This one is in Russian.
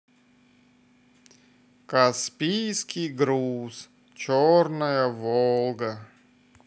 каспийский груз черная волга